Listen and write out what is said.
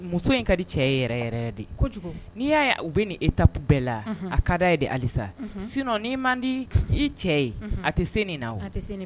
Muso in ka di cɛ kojugu n'i y u bɛ e ta bɛɛ la a ka da ye alisa sun n'i man di i cɛ ye a tɛ se nin tɛ